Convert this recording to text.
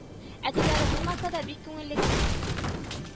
Әтиләре булмаса да, бик күңелле генә